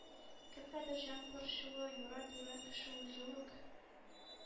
Кемгәдер җан борчуы юрап йөргән кеше үзе үк